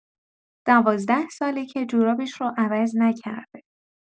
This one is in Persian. ۱۲ ساله که جورابش رو عوض نکرده!